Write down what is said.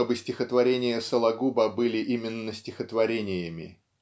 чтобы стихотворения Сологуба были именно стихотворениями.